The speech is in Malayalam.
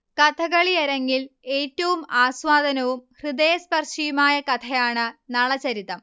കഥകളിയരങ്ങിൽ ഏറ്റവും ആസ്വാദനവും ഹൃദയസ്പർശിയുമായ കഥയാണ് നളചരിതം